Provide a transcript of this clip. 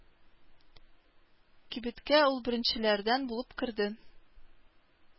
Кибеткә ул беренчеләрдән булып керде.